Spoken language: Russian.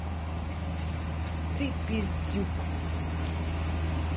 ты пиздюк